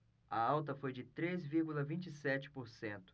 a alta foi de três vírgula vinte e sete por cento